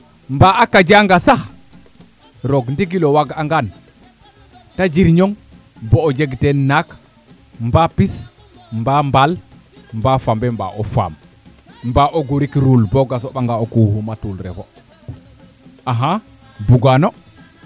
mba a kajanga sax roog ndingil o waag angan te jirñong bo o jeg teen naak mba piss mba mbaal mba fambe mba o faam mba o gurik ruul boog a soɓanga o kokiuma tuul refo axa bugaa no